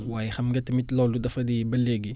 waayé xam nga tamit loolu dafa di ba léegi